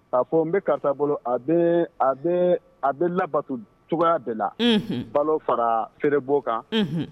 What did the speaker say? A fɔ n bɛ karisa bolo a bɛ labato cogoya de la balo fara feere bɔ kan